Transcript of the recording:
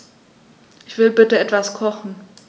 Ich will bitte etwas kochen.